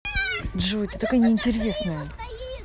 джой ты такая неинтересная